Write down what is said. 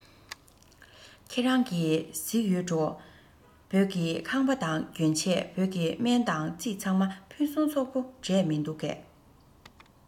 ཁྱེད རང གིས གཟིགས ཡོད འགྲོ བོད ཀྱི ཁང པ དང གྱོན ཆས བོད ཀྱི སྨན དང རྩིས ཚང མ ཕུན སུམ ཚོགས པོ འདྲས མི འདུག གས